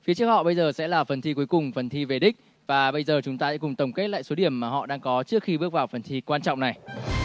phía trước họ bây giờ sẽ là phần thi cuối cùng phần thi về đích và bây giờ chúng ta hãy cùng tổng kết lại số điểm mà họ đang có trước khi bước vào phần thi quan trọng này